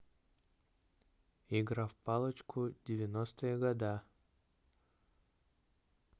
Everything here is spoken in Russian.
игра в палочку девяностые года